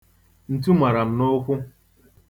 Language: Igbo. Ntu mara m n'ụkwụ.